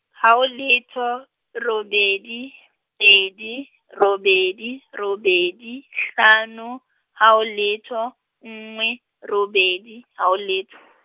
ha ho letho, robedi, pedi, robedi, robedi, hlano, ha ho letho, nngwe, robedi , ha ho letho.